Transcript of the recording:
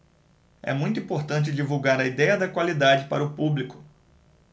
é muito importante divulgar a idéia da qualidade para o público